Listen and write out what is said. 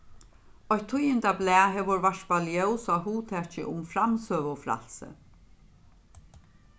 eitt tíðindablað hevur varpað ljós á hugtakið um framsøgufrælsi